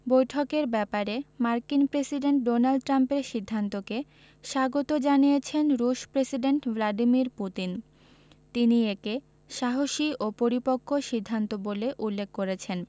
বৈঠকের ব্যাপারে মার্কিন প্রেসিডেন্ট ডোনাল্ড ট্রাম্পের সিদ্ধান্তকে স্বাগত জানিয়েছেন রুশ প্রেসিডেন্ট ভালাদিমির পুতিন তিনি একে সাহসী ও পরিপক্ব সিদ্ধান্ত বলে উল্লেখ করেছেন